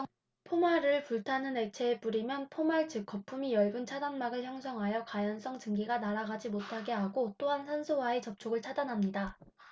포말을 불타는 액체에 뿌리면 포말 즉 거품이 엷은 차단막을 형성하여 가연성 증기가 날아가지 못하게 하고 또한 산소와의 접촉을 차단합니다